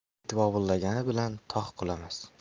it vovullagani bilan tog' qulamas